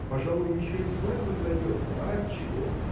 пожалуй, еще и свадьба разойдется, а отчего?